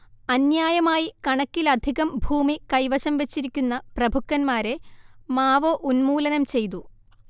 അന്യായമായി കണക്കിലധികം ഭൂമി കൈവശം വെച്ചിരിക്കുന്ന പ്രഭുക്കന്മാരെ മാവോ ഉന്മൂലനം ചെയ്തു